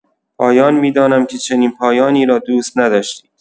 پایان می‌دانم که چنین پایانی را دوست نداشتید.